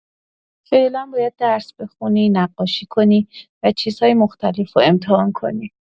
فعلا باید درس بخونی، نقاشی کنی و چیزهای مختلف رو امتحان کنی.